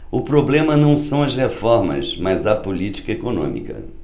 o problema não são as reformas mas a política econômica